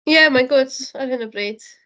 Ie, mae'n gwd ar hyn o bryd.